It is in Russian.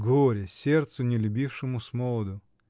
Горе сердцу, не любившему смолоду!